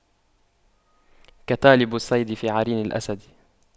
كطالب الصيد في عرين الأسد